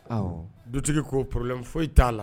Du k'o porolen foyi t'a la